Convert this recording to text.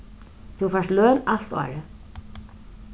tú fært løn alt árið